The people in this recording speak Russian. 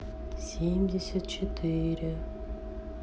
семьдесят четыре